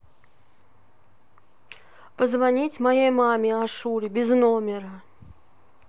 позвонить моей маме ашуре без номера